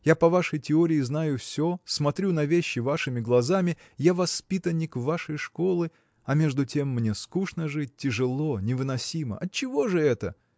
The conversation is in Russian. Я по вашей теории знаю все, смотрю на вещи вашими глазами я воспитанник вашей школы а между тем мне скучно жить тяжело невыносимо. Отчего же это?